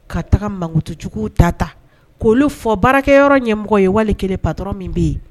Ka taga makutujugu ta ta'olu fɔ baarakɛyɔrɔ ɲɛmɔgɔ ye wali kelen patɔ min bɛ yen